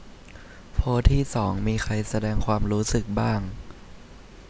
โพสต์ที่สองมีใครแสดงความรู้สึกบ้าง